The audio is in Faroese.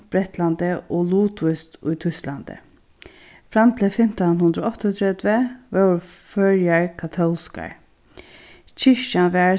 bretlandi og lutvíst í týsklandi fram til fimtan hundrað og áttaogtretivu vóru føroyar katólskar kirkjan varð